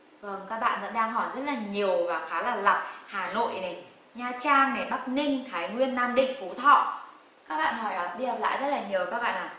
vầng các bạn vẫn đang hỏi rất là nhiều và khá là lặp hà nội này nha trang này bắc ninh thái nguyên nam định phú thọ các bạn hỏi lặp đi lặp lại rất là nhiều các bạn à